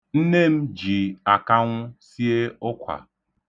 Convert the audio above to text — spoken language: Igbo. Nne m ji akanwụ sie ụkwa.